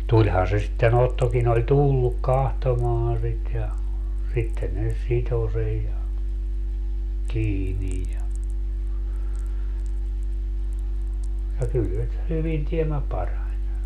tulihan se sitten Ottokin oli tullut katsomaan sitä ja sitten ne sitoi sen ja kiinni ja ja kyllä se hyvin tiemmä parani